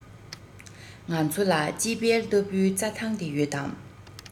ང ཚོ ལ དཔྱིད དཔལ ལྟ བུའི རྩ ཐང དེ ཡོད དམ